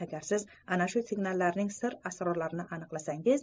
agar siz ana shu signallarning sir asrorlarini aniqlasangiz